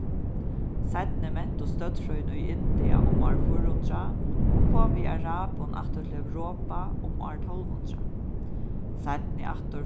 seinni mentist støddfrøðin í india um ár fýra hundrað og kom við arabum aftur til europa um ár tólv hundrað seinni aftur